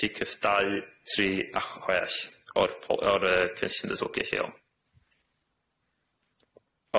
Pi cyth dau tri a ch- chwech o'r pol- o'r yy cynllun datblygu lleol.